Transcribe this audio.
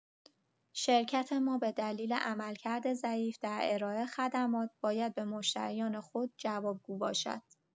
شرکت ما به دلیل عملکرد ضعیف در ارائه خدمات، باید به مشتریان خود جوابگو باشد.